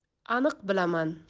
aniq bilaman